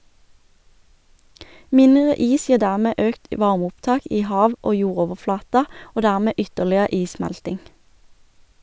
Mindre is gir dermed økt varmeopptak i hav- og jordoverflata, og dermed ytterligere issmelting.